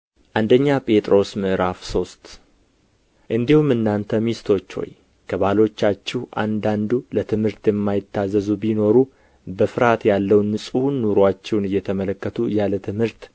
አንደኛ ጴጥሮስ ምዕራፍ ሶስት እንዲሁም እናንተ ሚስቶች ሆይ ከባሎቻችሁ አንዳንዱ ለትምህርት የማይታዘዙ ቢኖሩ በፍርሃት ያለውን ንጹሑን ኑሮአችሁን እየተመለከቱ ያለ ትምህርት